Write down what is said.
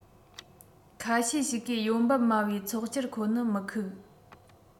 ཁ ཤས ཤིག གིས ཡོང འབབ དམའ བའི ཚོགས སྤྱིར ཁོ ནི མི ཁུགས